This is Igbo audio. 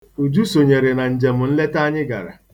Uju sonyere na njem nleta anyị gara.